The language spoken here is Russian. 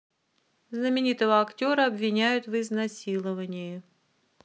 знаменитого актера обвиняют в изнасиловании